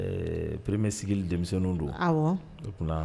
Premier cycle denmisɛnninw do awɔ.